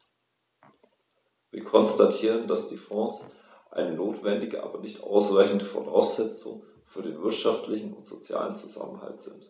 Wir konstatieren, dass die Fonds eine notwendige, aber nicht ausreichende Voraussetzung für den wirtschaftlichen und sozialen Zusammenhalt sind.